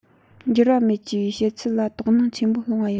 འགྱུར བ མེད ཅེས པའི བཤད ཚུལ ལ དོགས སྣང ཆེན པོ སློང བ ཡིན